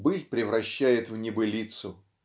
быль превращает в небылицу.